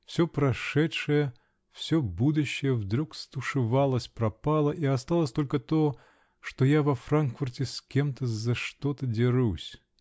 Все прошедшее, все будущее вдруг стушевалось, пропало -- и осталось только то, что я во Франкфурте с кем-то за что-то дерусь".